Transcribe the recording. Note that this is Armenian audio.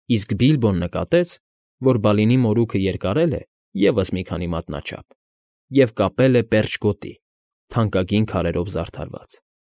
Իսկ Բիլբոն նկատեց, որ Բալինի մորուքը երկարել է ևս մի քանի մատնաչափ, և կապել է պերճ գոտի՝ թանկագին քարերով զարդարված։